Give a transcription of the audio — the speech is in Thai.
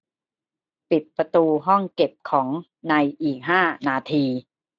ปิดประตูห้องเก็บของในอีกห้านาที